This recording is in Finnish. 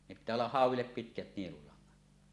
ne pitää olla hauelle pitkät nielulangat